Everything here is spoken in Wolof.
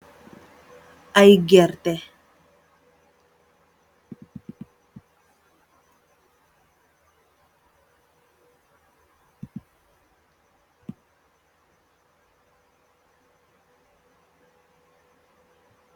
Ay ngeerte